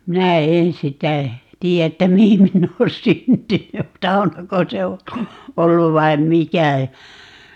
minä en sitä tiedä että mihin minä olen syntynyt saunako se on ollut vai mikä ja